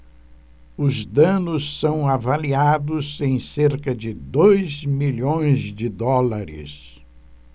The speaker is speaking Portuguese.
os danos são avaliados em cerca de dois milhões de dólares